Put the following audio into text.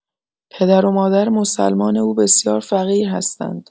پدر و مادر مسلمان او بسیار فقیر هستند.